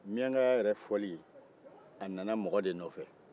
miyankaya yɛrɛ fɔli a nana de mɔgɔ de nɔfɛ